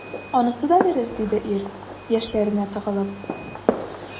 Анысы да дөрес,— диде ир, яшьләренә тыгылып.